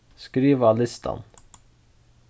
skriva á listan